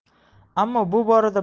ammo bu borada